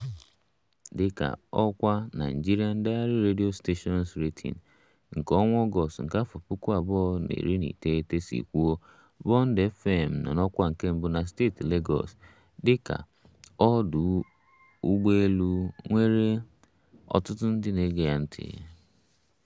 Dịka ọkwa Nigerian Diary Radio Stations Ratings nke ọnwa Ọgọst nke afọ 2019 si kwuo, Bond FM nọ n'ọkwa nke mbụ na steeti Lagos dịka ọdụ ụgbọelu nwere ọtụtụ ndị na-ege ntị.